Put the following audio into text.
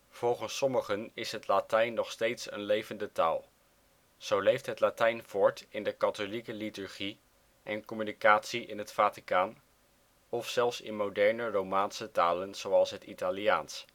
Volgens sommigen is het Latijn nog steeds een levende taal. Zo leeft het Latijn voort in de katholieke liturgie en communicatie in het Vaticaan, of zelfs in moderne Romaanse talen zoals het Italiaans